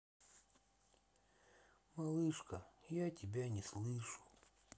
малышка я тебя слышу